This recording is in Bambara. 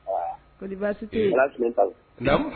Ko baasi tɛ tile sa